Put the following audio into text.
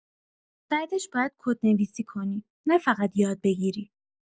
بعدش باید کدنویسی کنی، نه‌فقط یاد بگیری.